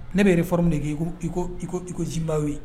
Ne bɛ reforme de di i ko i ko Zimbabwe